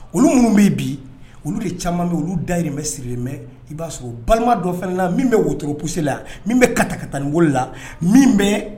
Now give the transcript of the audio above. Olu minnu bɛ bi olu de caman bɛ olu da bɛ siri i b'a sɔrɔ balima dɔ fɛn la min bɛ wotoorosi la min bɛ kata ka tan ni wolo la bɛ